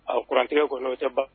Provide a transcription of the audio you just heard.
Ɔurantigɛ kɔnɔ' o tɛ ban